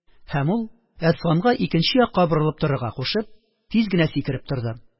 Һәм ул, Әсфанга икенче якка борылып торырга кушып, тиз генә сикереп торды